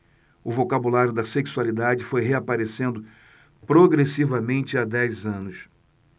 o vocabulário da sexualidade foi reaparecendo progressivamente há dez anos